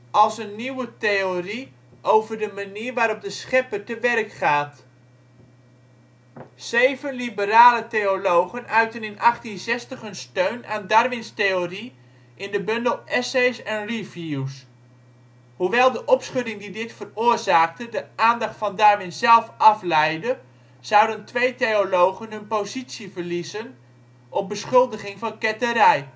als een nieuwe theorie over de manier waarop de Schepper te werk gaat. Zeven liberale theologen uitten in 1860 hun steun aan Darwins theorie in de bundel Essays en Reviews. Hoewel de opschudding die dit veroorzaakte de aandacht van Darwin zelf afleidde zouden twee theologen hun posities verliezen op beschuldiging van ketterij